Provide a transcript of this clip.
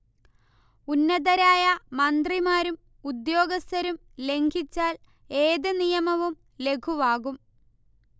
ഉന്നതരായ മന്ത്രിമാരും ഉദ്യോഗസ്ഥരും ലംഘിച്ചാൽ ഏത് നിയമവും ലഘുവാകും